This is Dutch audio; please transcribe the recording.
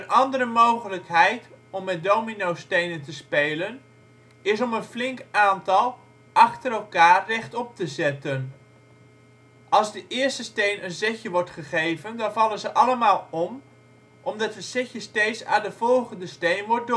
andere mogelijkheid om met dominostenen te spelen, is om een flink aantal achter elkaar rechtop te zetten. Als de eerste steen een zetje wordt gegeven, dan vallen ze allemaal om, omdat het zetje steeds aan de volgende steen wordt